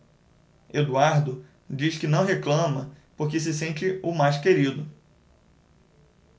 eduardo diz que não reclama porque se sente o mais querido